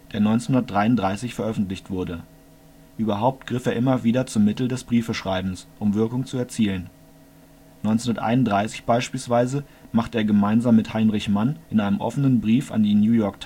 der 1933 veröffentlicht wurde. Überhaupt griff er immer wieder zum Mittel des Briefeschreibens, um Wirkung zu erzielen: 1931 beispielsweise, machte er gemeinsam mit Heinrich Mann in einem offenen Brief an die New York Times